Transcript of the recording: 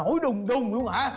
nổi đùng đùng luôn hả